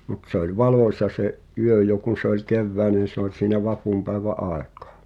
mutta se oli valoisa se yö jo kun se oli keväinen se oli siinä vapunpäiväin aikaan